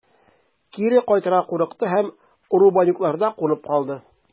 Кире кайтырга курыкты һәм Рубанюкларда кунып калды.